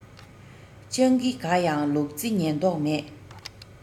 སྤྱང ཀི དགའ ཡང ལུག རྫི ཉན མདོག མེད